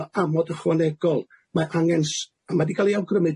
'na amod ychwanegol mae angen s- a ma' 'di ga'l ei awgrymu